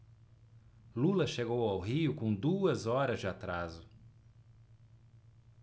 lula chegou ao rio com duas horas de atraso